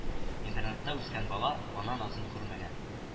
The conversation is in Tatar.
Интернатта үскән бала, ана назын күрмәгән